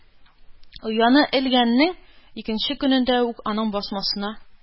Ояны элгәннең икенче көнендә үк аның басмасына